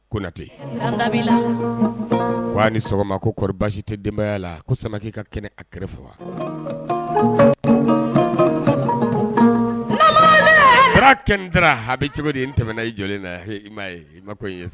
Kotɛa ni sɔgɔma koɔri basi tɛ denbaya la ko sama ka kɛnɛ a kɛrɛfɛ faga wa kira kɛ taara abi cogo di in tɛmɛna i jɔ na i i ma ye